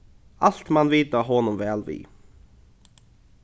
alt man vita honum væl við